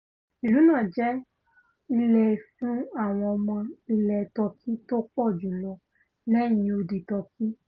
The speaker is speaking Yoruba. Ìlú náà jẹ́ ilé fún àwọn ọmọ ilẹ̀ Tọki tópọ̀ jùlọ lẹ́yìn odi Tọki.